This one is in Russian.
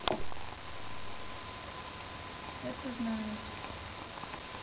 это знает